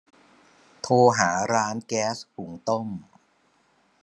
โทรหาร้านแก๊สหุงต้ม